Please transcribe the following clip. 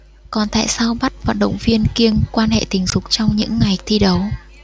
còn tại sao bắt vận động viên kiêng quan hệ tình dục trong những ngày thi đấu